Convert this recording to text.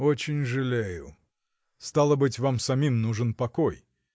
— Очень жалею; стало быть, вам самим нужен покой.